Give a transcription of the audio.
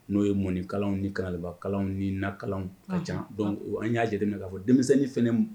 N'o ye mɔnikalanw ni kankaliba kalanw ni nakalanw a ka caa an y'a jate de ni k'a fɔ denmisɛnnin fana